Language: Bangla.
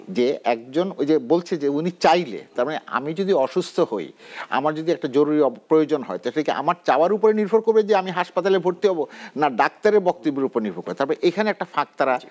একজন ওই যে বলছে যে একজন উনি চাইলে মানে আমি যদি অসুস্থ হয় আমার যদি একটা জরুরি প্রয়োজন হয় এটা কি আমার চাওয়ার উপর নির্ভর করবে যে আমি হাসপাতালে ভর্তি হব না ডাক্তারের বক্তব্যের উপর নির্ভর করে তারপর এখানে একটা ফাক তারা